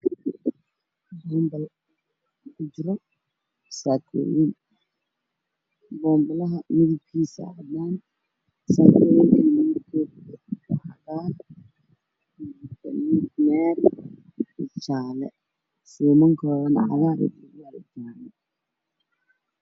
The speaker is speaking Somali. Meeshan waa carwo waxaa ka muuqda dhar dumar oo saran boonbalo kalarkooda waa caddaan cagaar buluug